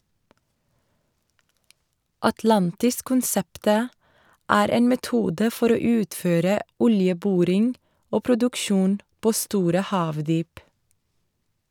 Atlantis-konseptet er en metode for å utføre oljeboring og produksjon på store havdyp.